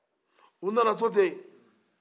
u nana to te